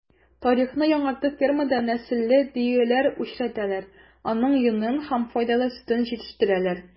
Тарихны яңартып фермада нәселле дөяләр үчретәләр, аның йонын һәм файдалы сөтен җитештерәләр.